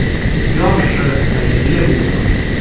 Яхшы, хәерле булсын.